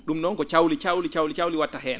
?um noon ko caawli caawli caawli caawli wa?ata heen